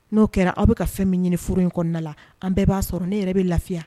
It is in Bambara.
N'o kɛra aw bɛ ka fɛn min ɲinioro in kɔnɔna la an bɛɛ b'a sɔrɔ ne yɛrɛ bɛ lafiya